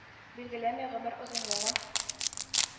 Билгеләми гомер озынлыгын